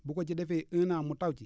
bu ko ci defee un an mu taw ci